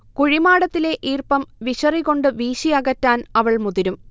കുഴിമാടത്തിലെ ഈർപ്പം വിശറികൊണ്ട് വീശിയകറ്റാൻ അവൾ മുതിരും